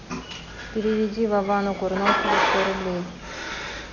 переведи вовану курносову сто рублей